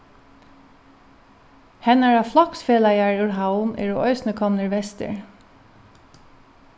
hennara floksfelagar úr havn eru eisini komnir vestur